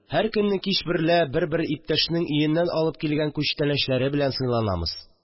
Һәр көнне кич берлә бер-бер иптәшнең өеннән алып килгән күчтәнәчләре белән сыйланамыз